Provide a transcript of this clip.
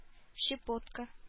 Щепотка